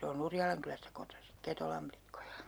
se on Urjalankylästä kotoisin Ketolan likkoja